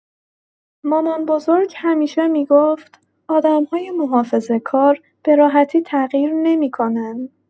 مامان‌بزرگ همیشه می‌گفت آدم‌های محافظه‌کار به راحتی تغییر نمی‌کنن.